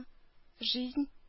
Жизнь